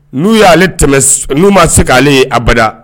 N'u y'ale tɛmɛ n'u ma se k'ale ye abada